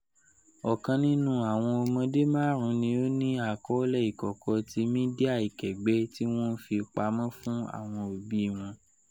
Ọkan nínú awọn ọmọde máàrún ni o ni akọọlẹ ikọkọ ti midia ikẹgbẹ ti wọn n fi pamọ fun awọn obi wọn